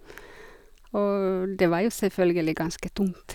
Og det var jo selvfølgelig ganske tungt.